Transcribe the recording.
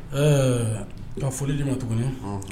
Ɛɛ foliji ma tuguni